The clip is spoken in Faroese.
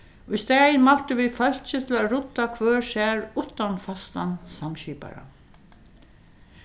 ístaðin mæltu vit fólki til at rudda hvør sær uttan fastan samskipara